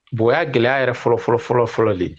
Bon o y'a gɛlɛya yɛrɛ fɔlɔfɔlɔfɔlɔfɔlɔ le ye